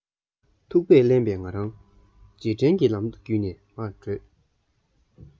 ཐུག པས བརླན པའི ང རང རྗེས དྲན གྱི ལམ བུ བརྒྱུད ནས མར བྲོས